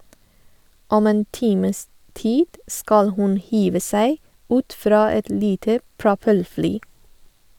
Om en times tid skal hun hive seg ut fra et lite propellfly.